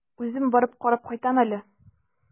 Үзем барып карап кайтам әле.